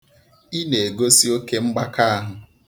Ị na-egosi oke mgbaka ahụ.